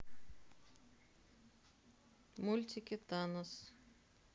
мультики танос